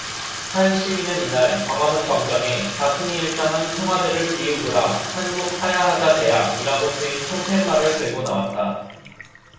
한 시민은 이날 광화문광장에 박근혜 일당은 청와대를 비우그라 한국하야하자 제약이라고 쓰인 손팻말을 들고 나왔다